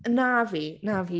Na fi, na fi.